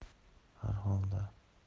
har holda